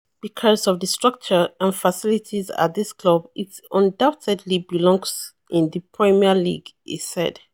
Because of the structure and facilities at this club, it undoubtedly belongs in the Premier League," he said.